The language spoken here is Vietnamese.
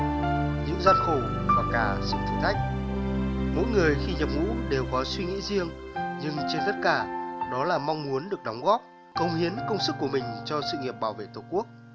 những gian khổ và cả cách mỗi người khi nhập ngũ đều có suy nghĩ riêng nhưng trên tất cả đó là mong muốn được đóng góp cống hiến công sức của mình cho sự nghiệp bảo vệ tổ quốc